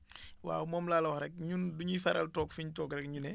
waaw moom laa la wax rek ñun du ñuy faral toog fi ñu toog rek ñu ne